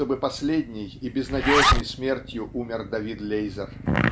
чтобы последней и безнадежной смертью умер Давид Лейзер.